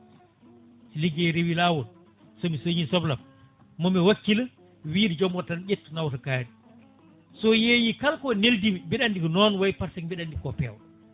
ligguey reewi lawol somi soñi soblam momi wakkilo wiide joom oto tan ƴettu naw to kaari so yeeyi kala ko neldimi mbeɗa andi ko noon wayi par ce que mbiɗa andi ko pewɗo